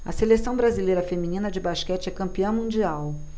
a seleção brasileira feminina de basquete é campeã mundial